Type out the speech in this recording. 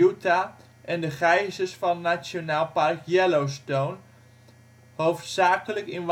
Utah; en de geisers van Nationaal Park Yellowstone, hoofdzakelijk in